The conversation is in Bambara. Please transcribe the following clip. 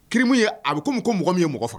K kirimu ye a bɛ ko kɔmi ko mɔgɔ min ye mɔgɔ faga